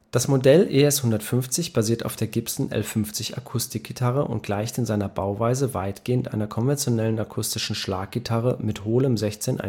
Das Modell ES-150 basiert auf der Gibson L-50 Akustikgitarre und gleicht in seiner Bauweise weitgehend einer konventionellen akustischen Schlaggitarre mit hohlem 16-1/4-Zoll